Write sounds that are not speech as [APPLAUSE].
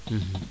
[HESITATION] [HESITATION]